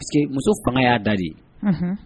Pa parce que muso fanga y'a da de ye